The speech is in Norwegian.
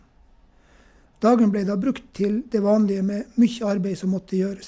Dagen ble da brukt til det vanlige med mye arbeid som måtte gjøres.